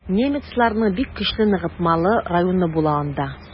Немецларның бик көчле ныгытмалы районы була анда.